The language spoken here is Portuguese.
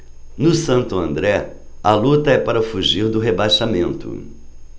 no santo andré a luta é para fugir do rebaixamento